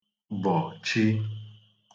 bọ̀ chi